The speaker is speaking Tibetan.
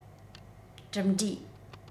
གྲུབ འབྲས